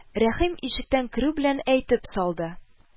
Рәхим ишектән керү белән әйтеп салды: